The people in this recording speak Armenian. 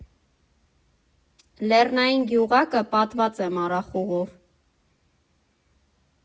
Լեռնային գյուղակը պատված է մառախուղով։